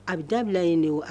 A bɛ dabila in de wa